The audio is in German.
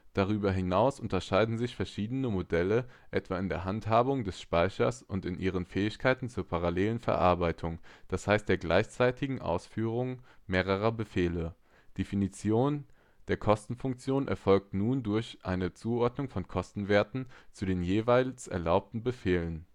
Darüber hinaus unterscheiden sich verschiedene Modelle etwa in der Handhabung des Speichers und in ihren Fähigkeiten zur parallelen Verarbeitung, d. h. der gleichzeitigen Ausführung mehrerer Befehle. Die Definition der Kostenfunktion erfolgt nun durch eine Zuordnung von Kostenwerten zu den jeweils erlaubten Befehlen